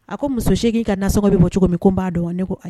A ko muso 8 ka nasoɔgɔ bɛ bɔ cogo min ko i b'a dɔn wa? ne ko ko ayi.